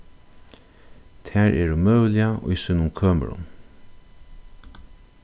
tær eru møguliga í sínum kømurum